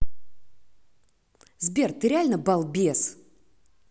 сбер ты реально балбес